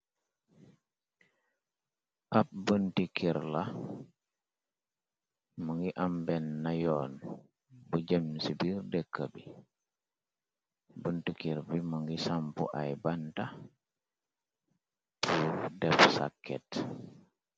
Ab buntu ker la, mu ngi am benna yoon bu jëm ci biir dekka bi. Buntu ker bi mu ngi sampu ay buntu yu def sàkket.